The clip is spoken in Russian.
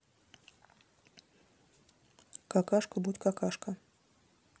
какашка будь какашка